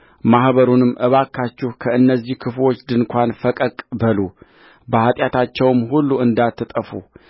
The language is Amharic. እባካችሁ ከእነዚህ ክፉዎች ድንኳን ፈቀቅ በሉ በኃጢአታቸውም ሁሉ እንዳትጠፉ